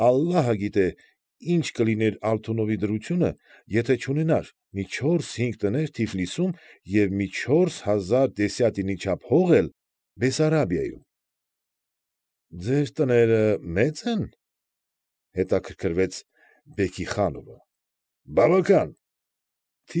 Ալլահը գիտե ինչ կլիներ Ալթունովի դրությունը, եթե չունենար, մի չորս֊հինգ տներ Թիֆլիսում և մի չորս հագար դեսյատինի չափ հող էլ Բեսարաբիայում։ ֊ Ձեր տները մե՞ծ են,֊ հետաքրքրվեց Բեքիխանովը։ ֊ Բավական։ ֊